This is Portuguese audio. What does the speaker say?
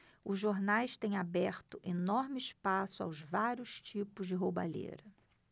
os jornais têm aberto enorme espaço aos vários tipos de roubalheira